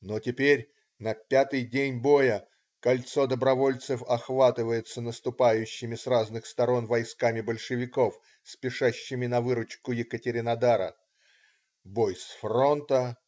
Но теперь, на пятый день боя, кольцо добровольцев охватывается наступающими с разных сторон войсками большевиков, спешащими на выручку Екатеринодара. Бой с фронта.